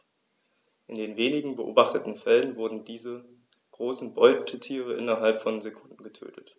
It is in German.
In den wenigen beobachteten Fällen wurden diese großen Beutetiere innerhalb von Sekunden getötet.